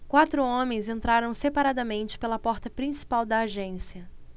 quatro homens entraram separadamente pela porta principal da agência